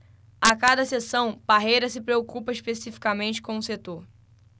a cada sessão parreira se preocupa especificamente com um setor